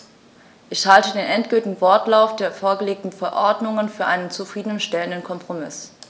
Ich halte den endgültigen Wortlaut der vorgelegten Verordnung für einen zufrieden stellenden Kompromiss.